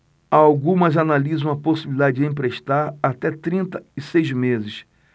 algumas analisam a possibilidade de emprestar até trinta e seis meses